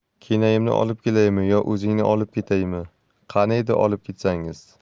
kennayimni olib kelaymi yo o'zingni olib ketaymi qani edi olib ketsangiz